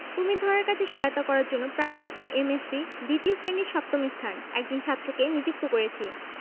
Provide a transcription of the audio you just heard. কুশীর ধরার কাজে সহায়তা করার জন্যে প্রাণীবিদ্যায় এম এস সি দ্বিতীয় শ্রেণী সপ্তম স্থান একজন ছাত্রকে নিযুক্ত করেছি